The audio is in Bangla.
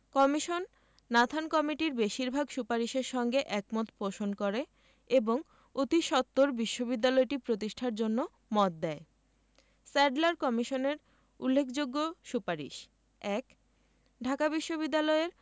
কমিশন নাথান কমিটির বেশির ভাগ সুপারিশের সঙ্গে একমত পোষণ করে এবং অতিসত্বর বিশ্ববিদ্যালয়টি প্রতিষ্ঠার জন্য মত দেয় স্যাডলার কমিশনের উল্লেখযোগ্য সুপারিশ: ১. ঢাকা বিশ্ববিদ্যালয়ের